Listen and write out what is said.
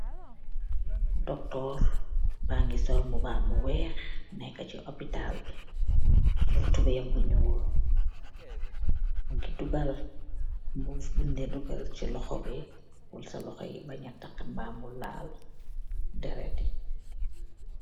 Doctorre bangy sol mbubam bu wekh neka chi ohhpital bi, sol tubeh yam bu njul, mungy dugal mbuss bungh dae dugal chi lokhor bii pur sa lokhor yii banja takha mba mu lal deret yii.